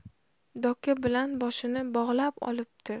doka bilan boshini bog'lab olibdi